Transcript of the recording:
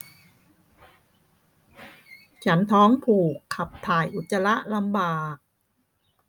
ฉันท้องผูกขับถ่ายอุจจาระลำบาก